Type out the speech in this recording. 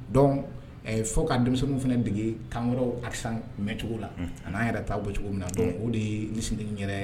Dɔn fo ka denmisɛnnin fana dege tan wɛrɛraw asa mɛncogo la ani n'a yɛrɛ taa bɔcogo min na dɔn o de yesin yɛrɛ